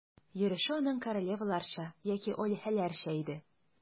Йөреше аның королеваларча яки алиһәләрчә иде.